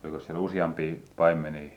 olikos siellä useampia paimenia